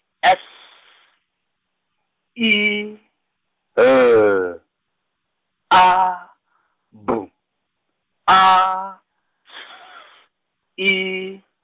F, I, L, A, B, A, F, I.